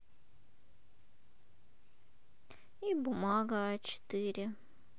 и бумага а четыре